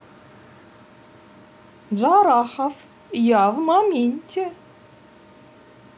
джарахов я в моменте